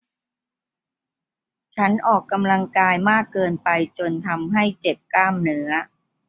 ฉันออกกำลังกายมากเกินไปจนทำให้เจ็บกล้ามเนื้อ